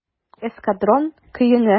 "эскадрон" көенә.